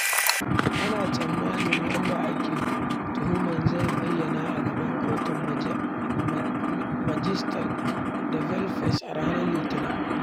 Ana tsammanin wanda ake tuhuman zai bayyana a gaban Kotun Majistare ta Belfast a ranar Litinin.